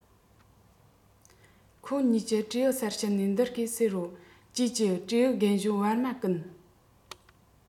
ཁོས གཉིས ཀྱི སྤྲེའུའི སར ཕྱིན ནས འདི སྐད ཟེར རོ ཀྱེ ཀྱེ སྤྲེའུ རྒན གཞོན བར བ ཀུན